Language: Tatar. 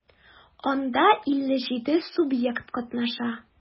Анда 57 субъект катнаша.